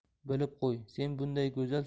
bilib qo'y sen bunday go'zal